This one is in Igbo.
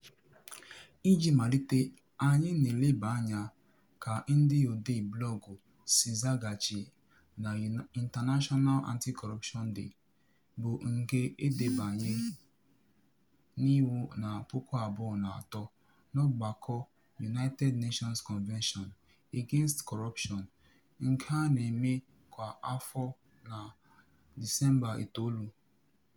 Iji malite, anyị na-eleba anya ka ndị odee blọọgụ si zaghachi na International Anti-Corruption Day, bụ nke e debanyere n'iwu na 2003 n'ọgbakọ United Nations Convention against Corruption nke a na-eme kwa afọ na Disemba 9.